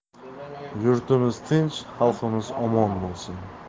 yurtimiz tinch xalqimiz omon bo'lsin